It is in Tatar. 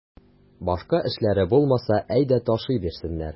Башка эшләре булмаса, әйдә ташый бирсеннәр.